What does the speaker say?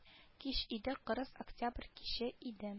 Кич иде кырыс октябрь киче иде